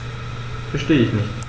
Verstehe nicht.